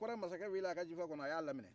korɛ mansakɛ weele a ka jufa kɔnɔ a y'a laminɛ